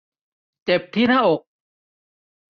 เจ็บที่หน้าอก